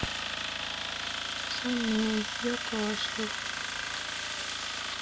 со мной я кашлял